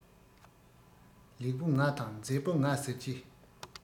ལེགས པོ ང དང མཛེས པོ ང ཟེར གྱི